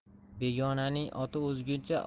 begonaning oti o'zguncha